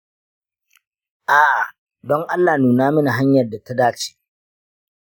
a'a, don allah nuna mini hanyar da ta dace.